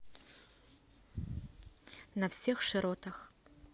на всех широтах